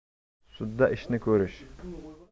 sudda ishni ko'rish